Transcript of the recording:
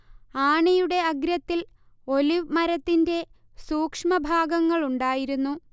ആണിയുടെ അഗ്രത്തിൽ ഒലീവ് മരത്തിന്റെ സൂക്ഷ്മഭാഗങ്ങളുണ്ടായിരുന്നു